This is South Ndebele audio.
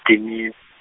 -dinini.